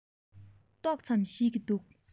ཏོག ཙམ ཤེས ཀྱི འདུག